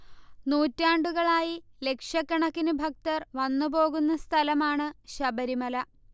നൂറ്റാണ്ടുകളായി ലക്ഷക്കണക്കിന് ഭക്തർ വന്നു പോകുന്ന സഥലമാണ് ശബരിമല